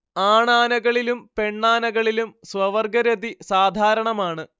ആണാനകളിലും പെണ്ണാനകളിലും സ്വവർഗ്ഗരതി സാധാരണമാണ്